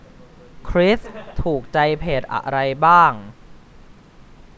คริสถูกใจเพจอะไรบ้าง